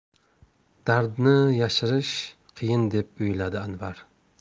dardni yashirish qiyin deb o'yladi anvar